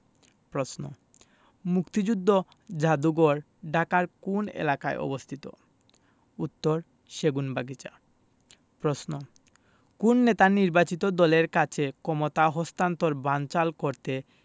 প্রশ্ন মুক্তিযুদ্ধ যাদুঘর ঢাকার কোন এলাকায় অবস্থিত উত্তরঃ সেগুনবাগিচা প্রশ্ন কোন নেতা নির্বাচিত দলের কাছে ক্ষমতা হস্তান্তর বানচাল করতে